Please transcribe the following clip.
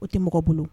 U tɛ mɔgɔ bolo